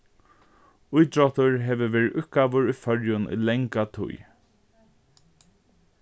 ítróttur hevur verið íðkaður í føroyum í langa tíð